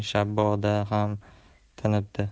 shaboda ham tinibdi